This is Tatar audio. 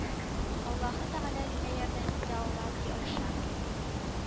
Аллаһы Тәгалә генә ярдәм итә ала , ди Айша